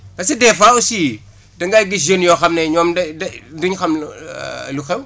parce que des fois aussi da ngay gis jeunes yoo xam ne ñoom de de duñu xam lu xew